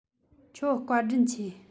ཁྱོད བཀའ དྲིན ཆེ